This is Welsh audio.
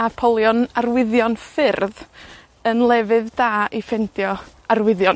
a polion arwyddion ffyrdd yn lefydd da i ffindio arwyddion,